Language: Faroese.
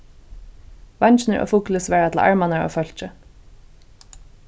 veingirnir á fugli svara til armarnar á fólki